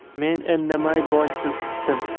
men indamay bosh silkitdim